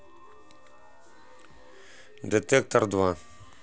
детектор два